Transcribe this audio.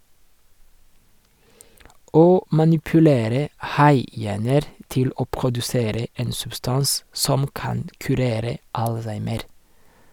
Å manipulere haihjerner til å produsere en substans som kan kurere Alzheimer.